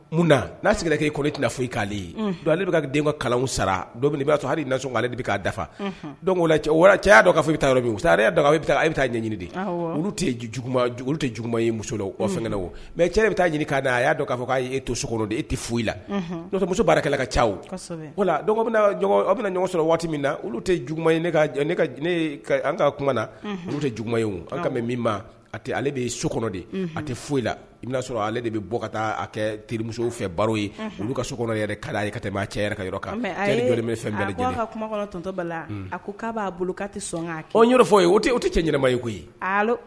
A ale caya ɲini mɛ ɲini aa tɛ ka bɛ ɲɔgɔn sɔrɔ waati min na ka na tɛ j ye ale so a tɛ foyi i'a sɔrɔ ale de bɛ bɔ ka taa kɛ terimuso fɛ baro ye olu ka so kala yɔrɔ kan kaafɔ tɛ cɛma ye koyi